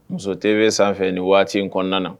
Muso bɛ sanfɛ ni waati in kɔnɔna na